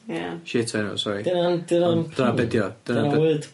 Iawn. Shit enw sori. 'Di wnna'n 'di wnna'n pun?